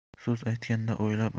so'z aytganda o'ylab